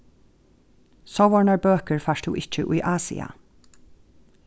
sovorðnar bøkur fært tú ikki í asia